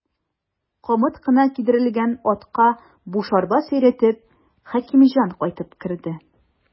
Камыт кына кидерелгән атка буш арба сөйрәтеп, Хәкимҗан кайтып керде.